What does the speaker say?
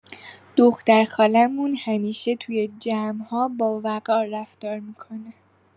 دختر خاله‌مون همیشه توی جمع‌ها باوقار رفتار می‌کنه.